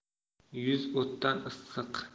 yuz o'tdan issiq